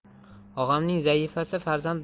og'amning zaifasi farzand